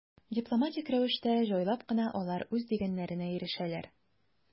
Дипломатик рәвештә, җайлап кына алар үз дигәннәренә ирешәләр.